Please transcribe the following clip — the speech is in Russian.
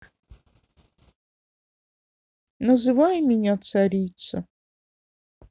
называй меня царица